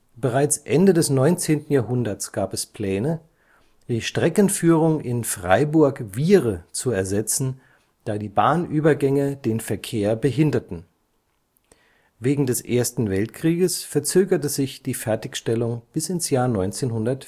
Bereits Ende des 19. Jahrhunderts gab es Pläne, die Streckenführung in Freiburg-Wiehre zu ersetzen, da die Bahnübergänge den Verkehr behinderten. Wegen des Ersten Weltkrieges verzögerte sich die Fertigstellung bis ins Jahr 1934